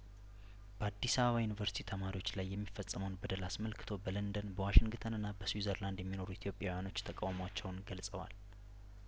በአዲስ አበባ ዩኒቨርስቲ ተማሪዎች ላይ የሚፈጸመውን በደል አስመልክቶ በለንደን በዋሽንግተንና በስዊዘርላንድ የሚኖሩ ኢትዮጵያውያኖች ተቃውሞአቸውን ገልጸዋል